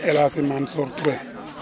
El Hadj Mansour Touré